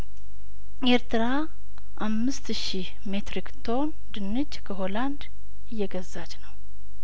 ኤርትራ አምስት ሺህ ሜትሪክ ቶን ድንች ከሆላንድ እየገዛች ነው